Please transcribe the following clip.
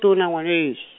tona ngwaneso.